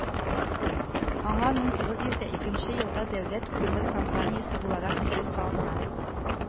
Аңа мең тугыз йөз дә икенче елда дәүләт күмер компаниясе буларак нигез салына